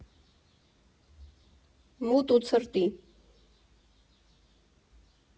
Մութ ու ցրտի։